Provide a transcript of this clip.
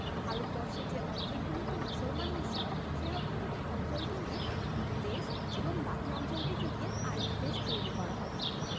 ভারতবর্ষের যে অঞ্চলগুলোতে মুসলমান বেশি সেরকম দুটি অঞ্চলকে নিয়ে দুটি দেশ এবং বাকি অঞ্চলটিকে নিয়ে আর একটি দেশ তৈরি করা হবে